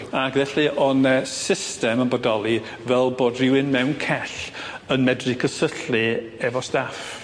Ag felly o' 'ne system yn bodoli fel bod rywun mewn cell yn medru cysyllu efo staff.